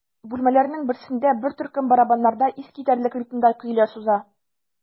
Бүлмәләрнең берсендә бер төркем барабаннарда искитәрлек ритмда көйләр суза.